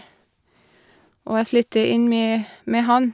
Og jeg flytte inn med med han.